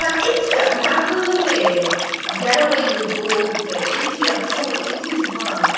Ma' India yn gadael iddo fe get away with bob dim. *India I'm sorry. India is a mug.